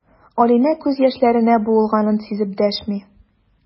Алинә күз яшьләренә буылганын сизеп дәшми.